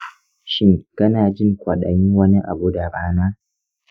shin kana jin kwaɗayin wani abu da rana?